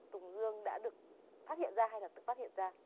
tùng dương đã được phát hiện ra hay là tự phát hiện ra